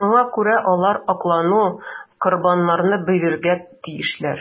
Шуңа күрә алар аклану корбаннары бирергә тиешләр.